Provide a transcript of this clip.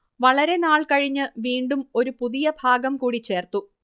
വളരെ നാൾ കഴിഞ്ഞ് വീണ്ടും ഒരു പുതിയ ഭാഗം കൂടി ചേർത്തു